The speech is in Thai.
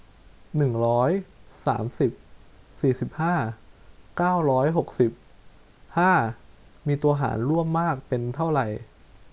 หนึ่งร้อยสามสิบสี่สิบห้าเก้าร้อยหกสิบห้ามีตัวหารร่วมมากเป็นเท่าไหร่